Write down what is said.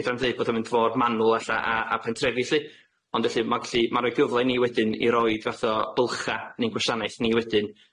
Gedra ni ddeud bod o'n mynd ffor manwl ella a a pentrefi lly ond felly ma' gellu ma'n roi cyfle i ni wedyn i roid fath o bylcha i'n gwasanaeth ni wedyn